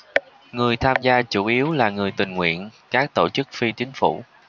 người tham gia chủ yếu là người tình nguyện các tổ chức phi chính phủ